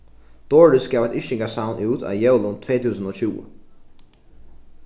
doris gav eitt yrkingasavn út á jólum tvey túsund og tjúgu